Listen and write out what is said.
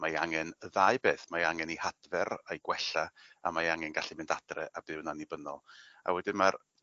mae 'i angen y ddau beth, mae angen 'i hadfer a'i gwella a mae angen gallu mynd adre a byw yn annibynnol a wedyn ma'r